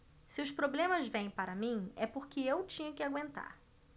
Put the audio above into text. se os problemas vêm para mim é porque eu tinha que aguentar